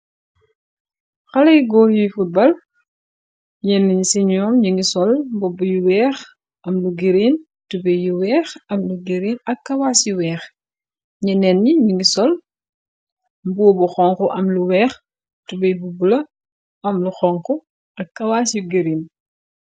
Xalaay góor yuy futball yennñ ci ñoom yi ngi sol bobb yu weex am lu gireen tubey yu weex am lu gireen ak kawaas yu weex. Ñeneen ni ñu ngi sol mboobu xonku am lu weex tubey bu bula am lu xonk ak kawaas yu giriin.